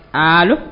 Aa